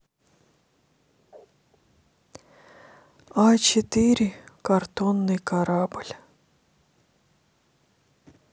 а четыре картонный корабль